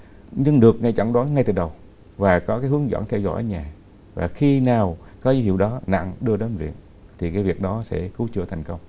nhưng được ngay chẩn đoán ngay từ đầu và có cái hướng dẫn theo dõi ở nhà và khi nào có dấu hiệu đó nặng đưa đến viện thì cái việc đó sẽ cứu chữa thành công